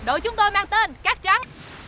đội chúng tôi mang tên cát trắng